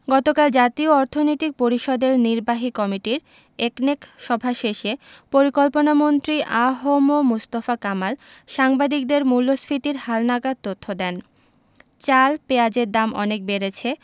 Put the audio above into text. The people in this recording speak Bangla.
গতকাল জাতীয় অর্থনৈতিক পরিষদের নির্বাহী কমিটির একনেক সভা শেষে পরিকল্পনামন্ত্রী আ হ ম মুস্তফা কামাল সাংবাদিকদের মূল্যস্ফীতির হালনাগাদ তথ্য দেন চাল পেঁয়াজের দাম অনেক বেড়েছে